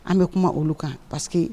An be kuma olu kan parce que